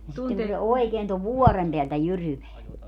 ja sitten kun se oikein tuon vuoren päältä jyryää